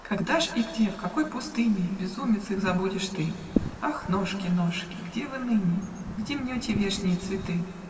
Когда ж и где, в какой пустыне, Безумец, их забудешь ты? Ах, ножки, ножки! где вы ныне? Где мнете вешние цветы?